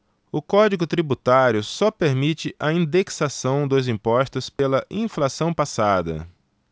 o código tributário só permite a indexação dos impostos pela inflação passada